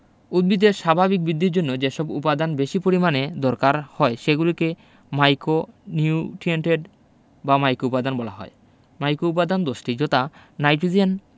উদ্ভিদের স্বাভাবিক বিদ্ধির জন্য যেসব উপাদান বেশি পরিমাণে দরকার হয় সেগুলোকে মাইকোনিউটিয়েন্টএট বা মাইকোউপাদান বলা হয় মাইকোউপাদান ১০ টি যথা নাইটোজেন N